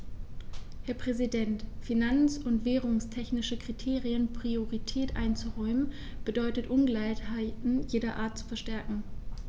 Herr Präsident, finanz- und währungstechnischen Kriterien Priorität einzuräumen, bedeutet Ungleichheiten jeder Art zu verstärken.